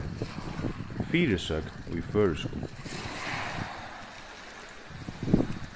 fyrisøgn í føroyskum